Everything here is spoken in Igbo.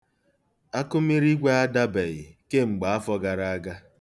Akụmirigwe adabeghị kemgbe afọ gara aga.